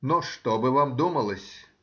Но что бы вам думалось?